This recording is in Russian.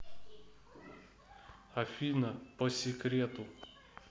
афина по секрету